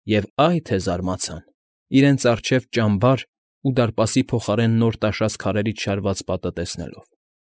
Եվ այ թե զարմացան՝ իրենց առջև ճամբար ու դարպասի փոխարեն նոր տաշած քարերից շարված պատը տեսնելով։